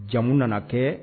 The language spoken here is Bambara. Jamu nana kɛ